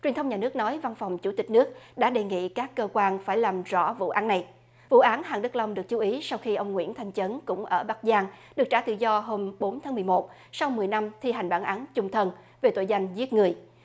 truyền thông nhà nước nói văn phòng chủ tịch nước đã đề nghị các cơ quan phải làm rõ vụ án này vụ án hàn đức long được chú ý sau khi ông nguyễn thanh chấn cũng ở bắc giang được trả tự do hôm bốn tháng mười một sau mười năm thi hành bản án chung thân về tội danh giết người